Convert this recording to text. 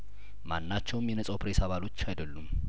ማናቸውም የነጻው ፕሬስ አባሎች አይደሉም